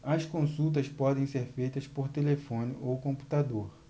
as consultas podem ser feitas por telefone ou por computador